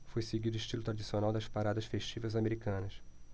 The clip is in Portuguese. foi seguido o estilo tradicional das paradas festivas americanas